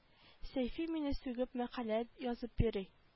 Сәйфи мине сүгеп мәкалә язып йөри